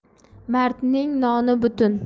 mardning noni butun